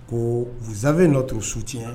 Ko vous avez notre soutien